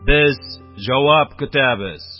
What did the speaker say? Без җавап көтәбез!